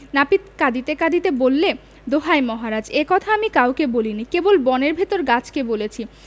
নাপিত কঁদিতে কঁদিতে বললেদোহাই মহারাজ এ কথা আমি কাউকে বলিনি কেবল বনের ভিতর গাছকে বলেছি